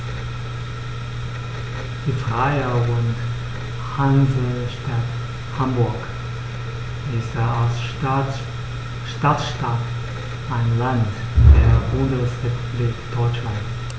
Die Freie und Hansestadt Hamburg ist als Stadtstaat ein Land der Bundesrepublik Deutschland.